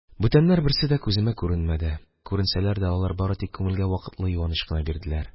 Бүтәннәр берсе дә күземә күренмәде, күренсәләр дә, алар бары тик күңелгә вакытлы юаныч кына бирделәр,